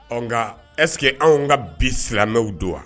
Ɔ nka ɛsseke anw ka bi siramɛw don wa